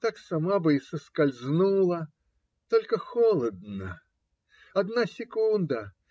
Так сама бы скользнула. Только холодно. Одна секунда